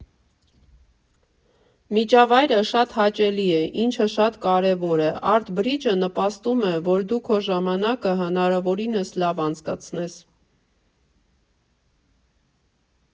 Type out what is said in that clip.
Միջավայրը շատ հաճելի է, ինչը շատ կարևոր է, Արտ Բրիջը նպաստում է, որ դու քո ժամանակը հնարավորինս լավ անցկացնես։